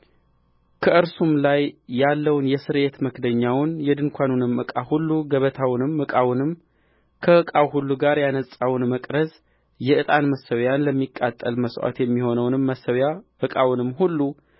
ከእርሱም ላይ ያለውን የስርየት መክደኛውን የድንኳኑንም ዕቃ ሁሉ ገበታውንም ዕቃውንም ከዕቃው ሁሉ ጋር የነጻውን መቅረዝ የዕጣን መሠዊያውን ለሚቃጠል መሥዋት የሚሆነውንም መሠዊያ ዕቃውንም ሁሉ